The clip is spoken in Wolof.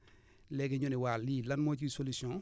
léegi ñu ne waa lii lan moo ciy solution